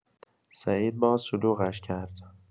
سعید باز شلوغش کرد.